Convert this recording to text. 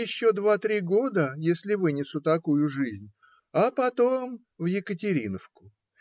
Еще два-три года, если вынесу такую жизнь, а потом в Екатериновку.